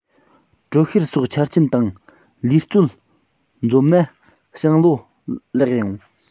དྲོད གཤེར སོགས ཆ རྐྱེན དང ལས རྩོལ འཛོམས ན ཞིང ལ ལོ ལེགས ཡོང